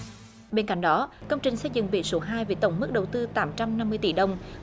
bên cạnh đó công trình xây dựng bến số hai với tổng mức đầu tư tám trăm năm mươi tỷ đồng